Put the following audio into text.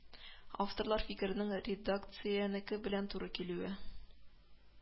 Авторлар фикеренең редакциянеке белән туры килүе